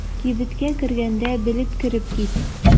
Кибеткә кергәндә белеп кереп кит.